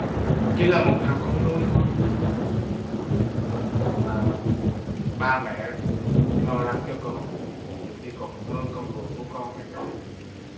chỉ là một thằng con nuôi thôi mà ba mẹ lo lắng cho con nhiều khi còn hơn con ruột của con người ta nữa kìa